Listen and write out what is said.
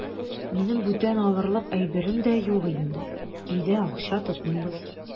Минем бүтән алырлык әйберем дә юк инде, өйдә акча тотмыйбыз.